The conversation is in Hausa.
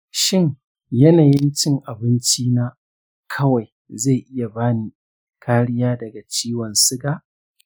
shin yanayin cin abinci na kawai zai iya bani kariya daga ciwon siga?